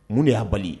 Mun de y'a bali ye